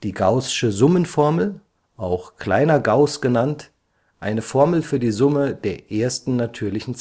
gaußsche Summenformel, auch kleiner Gauß genannt, eine Formel für die Summe der ersten natürlichen